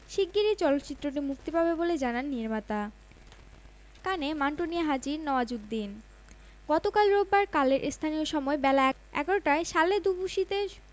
চাওয়া আর প্রত্যাশাকে পালন করেছেন নিষ্ঠার সঙ্গে মান্টোর স্ত্রী সাফিয়া চরিত্রে রসিকা দুগাল অভিনেতা শ্যাম চাড্ডার চরিত্রে তাহির ভাসিন ও সাহিত্যিক ইসমত